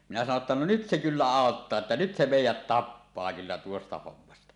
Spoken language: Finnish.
minä sanoin että no nyt se kyllä auttaa että nyt se meidät tappaa kyllä tuosta hommasta